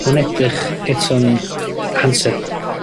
ma'n edrych eto'n handset